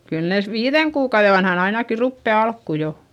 kyllä ne viiden kuukauden vanhana ainakin rupeaa alkuun jo